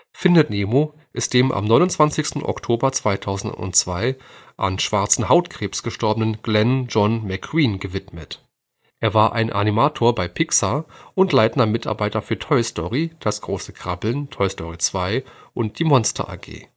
Findet Nemo ist dem am 29. Oktober 2002 an schwarzem Hautkrebs gestorbenen Glenn John McQueen gewidmet. Er war ein Animator bei Pixar und leitender Mitarbeiter für Toy Story, Das große Krabbeln, Toy Story 2 und Die Monster AG